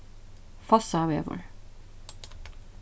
fossávegur